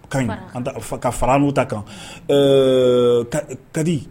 Ka ɲi ka ka fara n'u ta kan eee kadi